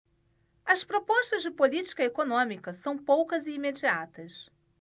as propostas de política econômica são poucas e imediatas